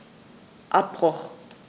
Abbruch.